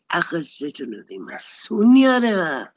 Achos dydyn nhw ddim yn swnio yr un fath.